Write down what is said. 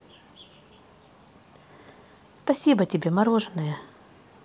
спасибо тебе мороженое